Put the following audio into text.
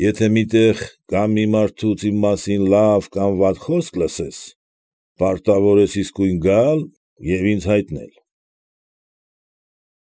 Եթե մի տեղ կամ մի մարդուց իմ մասին լավ կամ վատ խոսք լսես, պարտավոր ես իսկույն գալ և ինձ հայտնել։ ֊